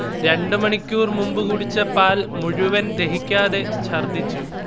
രണ്ടു മണിക്കൂർ മുമ്പ് കുടിച്ച പാൽ മുഴുവൻ ദഹിക്കാതെ ഛർദ്ദിച്ചു